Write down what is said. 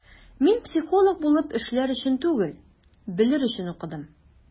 Мин психолог булып эшләр өчен түгел, белер өчен укыдым.